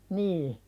niin